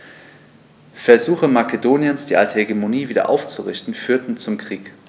Versuche Makedoniens, die alte Hegemonie wieder aufzurichten, führten zum Krieg.